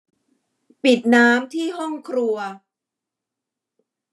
ปิดน้ำที่ห้องครัว